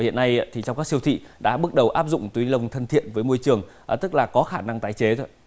hiện nay thì trong các siêu thị đã bước đầu áp dụng túi ni lông thân thiện với môi trường ở tức là có khả năng tái chế